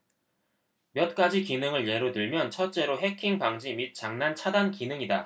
몇 가지 기능을 예로 들면 첫째로 해킹 방지 및 장난 차단 기능이다